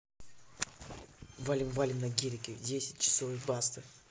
валим валим на гелике в десять часов баста